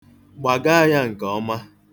Gbagaa ya nke ọma.